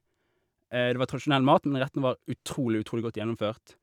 Det var tradisjonell mat, men rettene var utrolig, utrolig godt gjennomført.